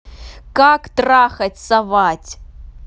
как трахать совать